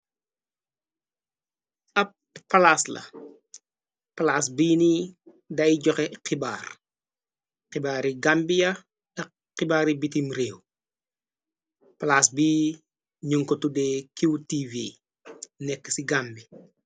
Ab palas la palaas biini dai joxeh xibar xibaari gambia ak xibaari bitim réew plas bi nyung ko tudeh qtv nekk ci gambi.